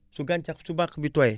su gàncax su bàq bi tooyee